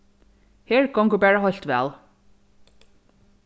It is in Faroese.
her gongur bara heilt væl